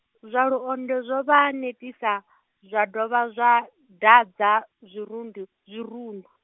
zwa Luonde zwo vha netisa , zwa dovha zwa ḓadza, zwirundu, zwirundu.